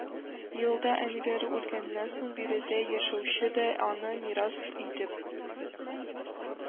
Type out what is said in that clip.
Елда әниләре үлгәннән соң, биредә яшәүче дә, аны мирас итеп